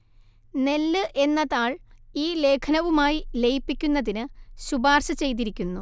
നെല്ല് എന്ന താൾ ഈ ലേഖനവുമായി ലയിപ്പിക്കുന്നതിന് ശുപാർശ ചെയ്തിരിക്കുന്നു